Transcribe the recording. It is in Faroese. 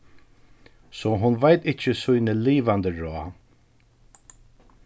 so hon veit ikki síni livandi ráð